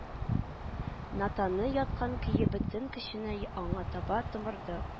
Натаны яткан көе бөтен көченә аңа таба томырды